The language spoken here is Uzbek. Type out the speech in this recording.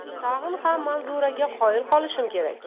tag'in ham manzuraga qoyil qolishim kerak